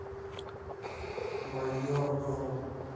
майор гром